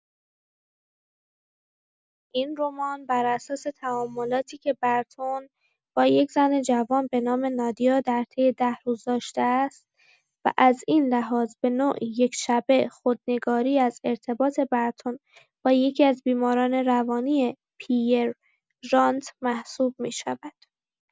این رمان براساس تعاملاتی که برتون با یک زن جوان به نام نادیا در طی ده روز داشته است و از این لحاظ به‌نوعی یک‌شبه خودنگاری از ارتباط برتون با یکی‌از بیماران روانی پی‌یر ژانت محسوب می‌شود.